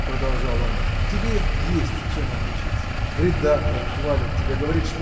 – продолжал он, – тебе есть чем отличиться. Редактор хвалит тебя говорит